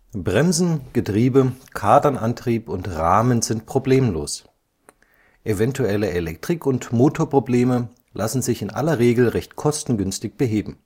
Bremsen, Getriebe, Kardanantrieb und Rahmen sind problemlos; eventuelle Elektrik - und Motorprobleme lassen sich in aller Regel recht kostengünstig beheben